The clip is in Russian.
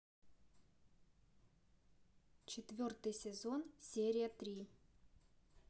четвертый сезон серия три